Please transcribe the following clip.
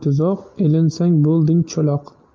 tuzoq ilinsang bo'lding cho'loq